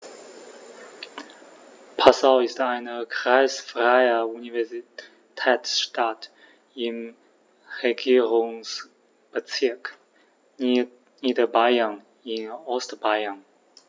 Passau ist eine kreisfreie Universitätsstadt im Regierungsbezirk Niederbayern in Ostbayern.